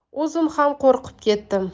o'zim ham qo'rqib ketdim